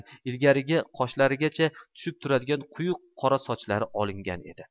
ilgarigi qoshlarigacha tushib turadigan quyuq qora sochlari olingan edi